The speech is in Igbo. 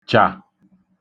chà